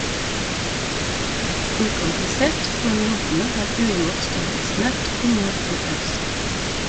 Ukomplisert , men låtene har uimotståelig snert, humor og øs.